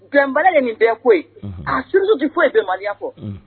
Bɛnba de nin bɛn foyi a surusu tɛ foyi ye bɛnmaya fɔ